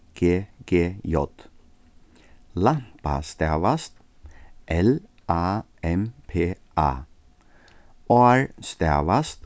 g g j lampa stavast l a m p a ár stavast